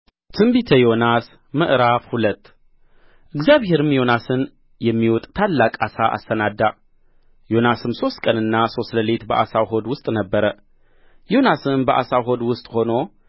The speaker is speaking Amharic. ትንቢተ ዮናስ ምዕራፍ ሁለት እግዚአብሔርም ዮናስን የሚውጥ ታላቅ ዓሣ አሰናዳ ዮናስም ሦስት ቀንና ሦስት ሌሊት በዓሣው ሆድ ውስጥ ነበረ ዮናስም በዓሣው ሆድ ውስጥ ሆኖ